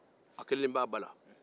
a keln b'a ba la